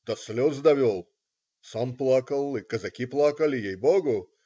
до слез довел, сам плакал и казаки плакали, ей-Богу.